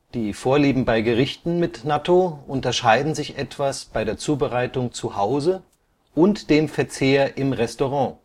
Die Vorlieben bei Gerichten mit Nattō unterscheiden sich etwas bei der Zubereitung zu Hause und dem Verzehr im Restaurant